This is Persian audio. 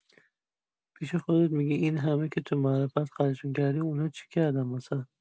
پیش خودت می‌گی اینهمه که تو معرفت خرجشون کردی اونا چی کردن واست؟